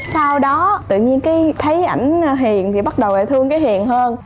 sau đó tự nhiên cái thấy ảnh hiền thì bắt đầu lại thương cái hiền hơn